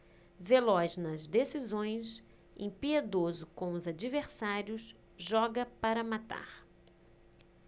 veloz nas decisões impiedoso com os adversários joga para matar